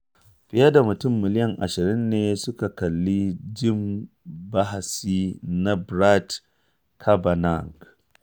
Fiye da mutane miliyan 20 ne suka kalli jin bahasi na Brett Kavanaugh